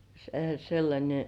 - sellainen